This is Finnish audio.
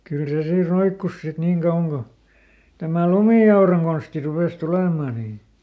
kyllä se siinä roikkui sitten niin kauan kuin tämä lumiauran konsti rupesi tulemaan niin